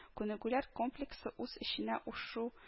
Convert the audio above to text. Күнегүләр комплексы үз эченә ушу